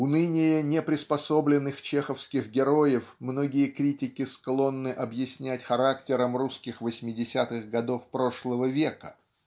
Уныние неприспособленных чеховских героев многие критики склонны объяснять характером русских восьмидесятых годов прошлого века.